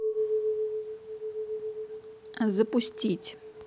запустить